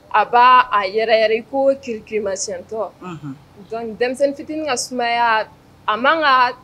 A b'a a yɛrɛ yɛrɛ ko kiriki mayɛntɔc denmisɛnnin fi ka sumayaya a man ka